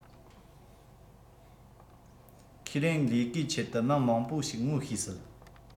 ཁས ལེན ལས ཀའི ཆེད དུ མི མང པོ ཞིག ངོ ཤེས སྲིད